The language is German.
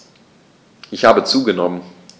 Ich habe zugenommen.